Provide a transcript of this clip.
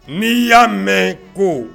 N'i y'a mɛn ko